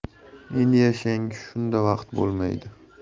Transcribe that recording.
endi yashang shunda vaqt bo'lmaydi